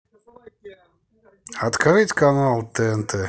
открыть канал тнт